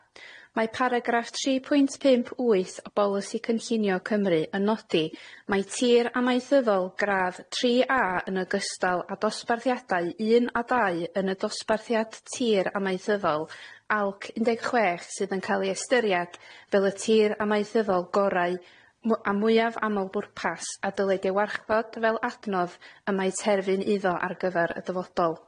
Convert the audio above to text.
Mae paragraff tri pwynt pump wyth o Bolisi Cynllunio Cymru yn nodi mai tir amaethyddol gradd tri A yn ogystal â dosbarthiadau un a dau yn y dosbarthiad tir amaethyddol ALC un deg chwech sydd yn ca'l ei ystyriad fel y tir amaethyddol gorau mw- a mwyaf amal bwrpas, a dylid ei warchod fel adnodd y mae terfyn iddo ar gyfer y dyfodol.